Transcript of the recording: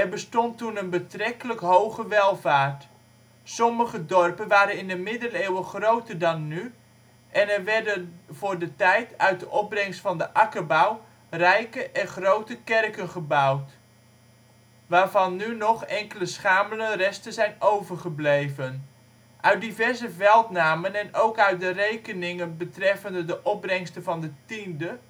bestond toen een betrekkelijk hoge welvaart. Sommige dorpen waren in de middeleeuwen groter dan nu en er werden voor die tijd - uit de opbrengst van de akkerbouw - rijke en grote kerken gebouwd, waarvan nu nog enkele schamele resten zijn overgebleven. Uit diverse veldnamen en ook uit de rekeningen betreffende de opbrengsten van de tienden